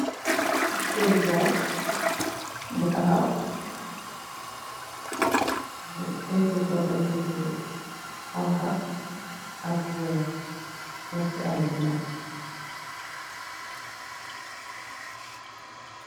Botali garam bu taxaw painturr ko painturr bu xonxa ak bu weex defsi ay benda.